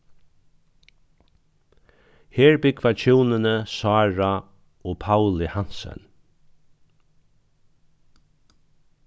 her búgva hjúnini sára og pauli hansen